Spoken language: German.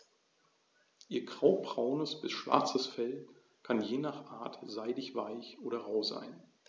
Ihr graubraunes bis schwarzes Fell kann je nach Art seidig-weich oder rau sein.